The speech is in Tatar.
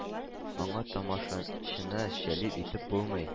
Аңа тамашачыны җәлеп итеп булмый